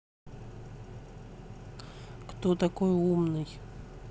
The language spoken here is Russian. кто такой умный